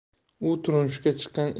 u turmushga chiqqan